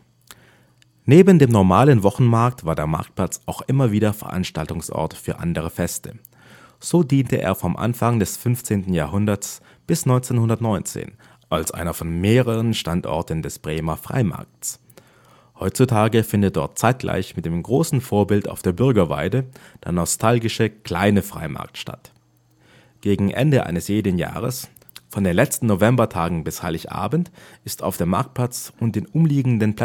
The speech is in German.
Neben dem normalen Wochenmarkt war der Marktplatz auch immer wieder Veranstaltungsort für andere Feste. So diente er vom Anfang des 15. Jahrhunderts bis 1919 als einer von mehreren Standorten des Bremer Freimarkts. Heutzutage findet dort zeitgleich mit dem großen Vorbild auf der Bürgerweide der nostalgische Kleine Freimarkt statt. Gegen Ende eines jeden Jahres, von den letzten Novembertagen bis Heiligabend ist auf dem Marktplatz und den umliegenden